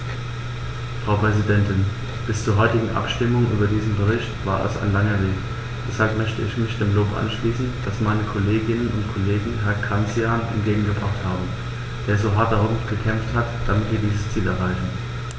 Frau Präsidentin, bis zur heutigen Abstimmung über diesen Bericht war es ein langer Weg, deshalb möchte ich mich dem Lob anschließen, das meine Kolleginnen und Kollegen Herrn Cancian entgegengebracht haben, der so hart darum gekämpft hat, damit wir dieses Ziel erreichen.